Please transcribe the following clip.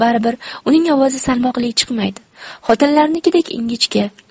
bari bir uning ovozi salmoqli chiqmaydi xotinlarnikidek ingichka